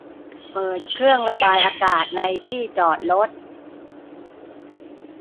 เปิดเครื่องระบายอากาศในที่จอดรถ